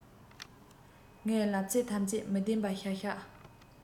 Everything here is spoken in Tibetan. ངས ལབ ཚད ཐམས ཅད མི བདེན པ ཤག ཤག